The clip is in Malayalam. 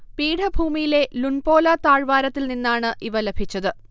പീഠഭൂമിയിലെ ലുൻപോല താഴ്വാരത്തിൽ നിന്നാണ് ഇവ ലഭിച്ചത്